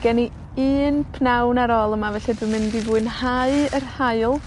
gen i un pnawn ar ôl yma, felly dwi'n mynd i fwynhau yr haul.